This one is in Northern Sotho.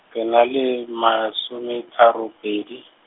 ke na le, masome tharo pedi.